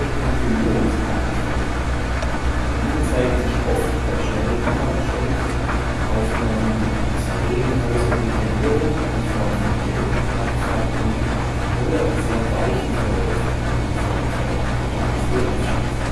Komprimierungs-Artefakte. Diese zeigen sich oft bei schnellen Kameraschwenks, Aufnahmen mit extrem großer Detaillierung (JPEG-Artefakte) oder sehr weichen Verläufen (Quantisierungsstufen